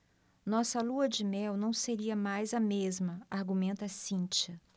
nossa lua-de-mel não seria mais a mesma argumenta cíntia